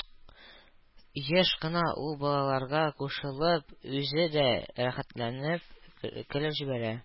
Еш кына ул, балаларга кушылып, үзе дә рәхәтләнеп көлеп җибәрә.